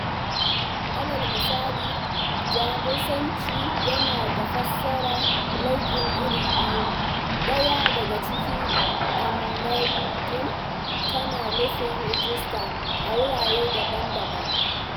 Alal misali, Jamusanci yana da fassarar 'log in' iri biyu, ɗaya daga ciki (anmelden) tana nufin 'Rijista' a wurare daban-daban.